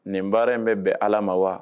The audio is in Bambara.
Nin baara in bɛ bɛn Ala ma wa?